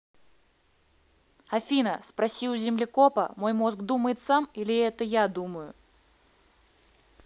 афина спроси у землекопа мой мозг думает сам или это я думаю